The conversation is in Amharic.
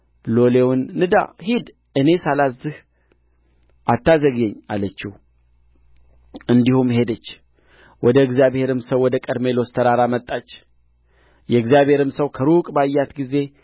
ባልዋንም ጠርታ ወደ እግዚአብሔር ሰው በፍጥነት ደርሼ እመለስ ዘንድ አንድ ሎሌና አንድ አህያ ላክልኝ አለችው እርሱም መባቻ ወይም ሰንበት ያይደለ ዛሬ ለምን ትሄጂበታለሽ አለ እርስዋም ደኅና ነው አለች አህያውንም አስጭና